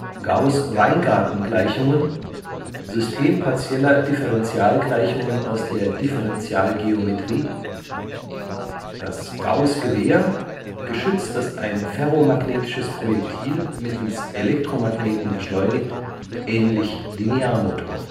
Gauß-Weingarten-Gleichungen, System partieller Differentialgleichungen aus der Differentialgeometrie das Gaußgewehr, Geschütz, das ein ferromagnetisches Projektil mittels (Elektro -) Magneten beschleunigt, ähnlich Linearmotor